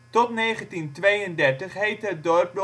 1932 heette het dorp nog